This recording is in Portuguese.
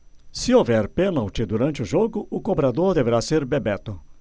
se houver pênalti durante o jogo o cobrador deverá ser bebeto